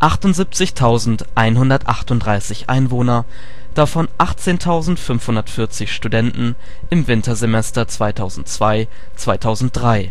78.138 Einwohner, 18.540 Studenten (WS 2002/2003